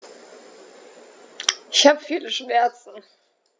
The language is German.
Ich habe viele Schmerzen.